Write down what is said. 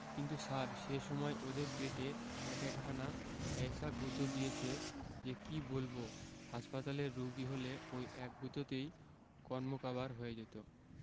কিন্তু স্যার সে সময় ওদের পেটে এক একখানা এ্যায়সা গুঁতো দিয়েছে যে কি বলব হাসপাতালের রোগী হলে ঐ এক গুঁতোতেই কন্মকাবার হয়ে যেত